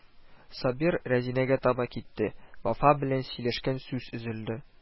Сабир Разингә таба китте, Вафа белән сөйләшкән сүз өзелде